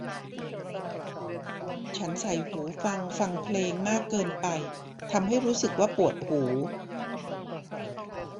ฉันใส่หูฟังฟังเพลงมากเกินไปทำให้รู้สึกว่าปวดหู